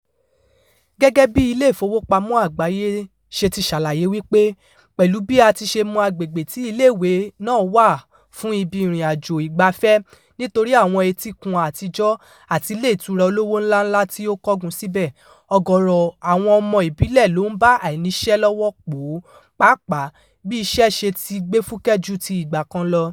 Gẹ́gẹ́ bí Ilé Ìfowópamọ́ Àgbáyé ṣe ti ṣàlàyé wípé, pẹ̀lú bí a ti ṣe mọ agbègbè tí iléèwé náà wà fún ibi ìrìn-àjò ìgbafẹ́ nítorí àwọn etíkun àtijọ́ àti ilé ìtura olówó ńláńlá tí ó kángun síbẹ̀, ọ̀gọ̀rọ̀ àwọn ọmọ ìbílẹ̀ ló ń bá àìníṣẹ́ lọ́wọ́ pò ó pàápàá bí ìṣẹ́ ṣe ti gbé fúkẹ́ ju ti ìgbà kan lọ.